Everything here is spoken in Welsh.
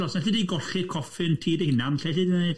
Osai'n gallu di golli coffi'n tŷ dy hunain, lle ti'n wneud?